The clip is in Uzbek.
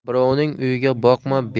birovning uyiga boqma